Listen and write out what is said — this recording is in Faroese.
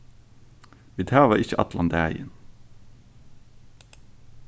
vit hava ikki allan dagin